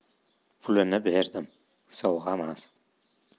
pulini berdim sovg'amas